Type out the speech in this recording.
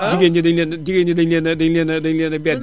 jigéen ñi dañu leen a jigéen ñi dañu leen a dañu leen a dañu leen a beddi